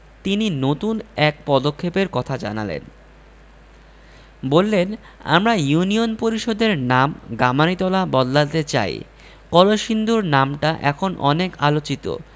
তিনি নতুন এক পদক্ষেপের কথা জানালেন বললেন আমরা ইউনিয়ন পরিষদের নাম গামারিতলা বদলাতে চাই কলসিন্দুর নামটা এখন অনেক আলোচিত